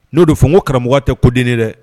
N'o don fo ko karamɔgɔ tɛ ko den ne dɛ